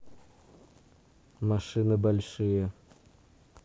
машины большие